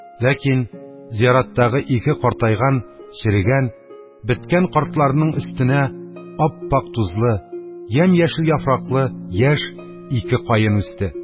Ләкин зияраттагы ике картайган, черегән, беткән картларның өстенә ап-ак тузлы, ямь-яшел яфраклы яшь ике каен үсте.